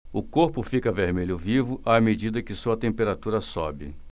o corpo fica vermelho vivo à medida que sua temperatura sobe